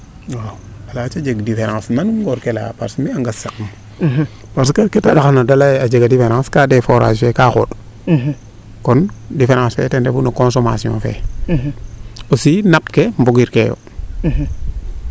waaw a yaaca jeg diference nanum ngoor ke leya parce :far que a ŋas saqum parce que kee tax na de layaa ye a jega difference kaate forage fee kaa xooɗ kon difference fee ten refu no consomation fee aussi nap ke mbogiir kee yo